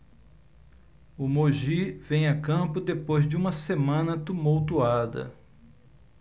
o mogi vem a campo depois de uma semana tumultuada